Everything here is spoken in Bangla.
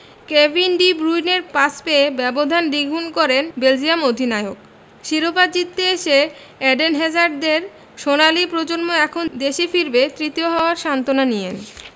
কেভিন ডি ব্রুইনের পাস পেয়ে ব্যবধান দ্বিগুণ করেন বেলজিয়ান অধিনায়ক শিরোপা জিততে এসে এডেন হ্যাজার্ডদের সোনালি প্রজন্ম এখন দেশে ফিরবে তৃতীয় হওয়ার সান্ত্বনা নিয়ে